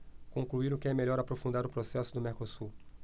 concluíram que é melhor aprofundar o processo do mercosul